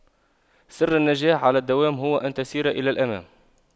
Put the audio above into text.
سر النجاح على الدوام هو أن تسير إلى الأمام